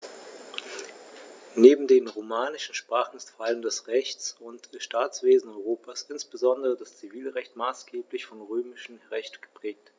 Neben den romanischen Sprachen ist vor allem das Rechts- und Staatswesen Europas, insbesondere das Zivilrecht, maßgeblich vom Römischen Recht geprägt.